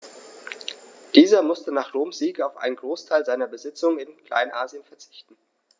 Dieser musste nach Roms Sieg auf einen Großteil seiner Besitzungen in Kleinasien verzichten.